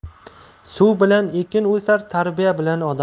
suv bilan ekin o'sar tarbiya bilan odam